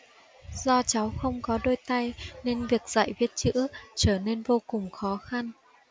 do cháu không có đôi tay nên việc dạy viết chữ trở nên vô cùng khó khăn